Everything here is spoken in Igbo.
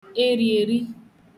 erìèri